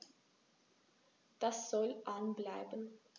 Das soll an bleiben.